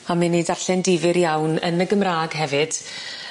A mei'n neud darllen difyr iawn yn y Gymra'g hefyd.